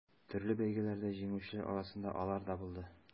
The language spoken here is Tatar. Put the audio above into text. Төрле бәйгеләрдә җиңүчеләр арасында алар да булды.